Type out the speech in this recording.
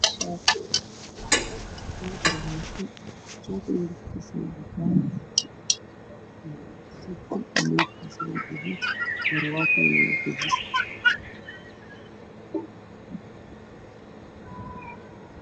Waxaa ii muuqda shaati midabkiisu yahay caddaan meel furan waxa kor ka furan shati yar waa midabkiisu yahay